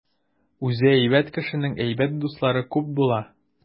Үзе әйбәт кешенең әйбәт дуслары күп була.